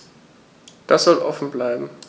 Das soll offen bleiben.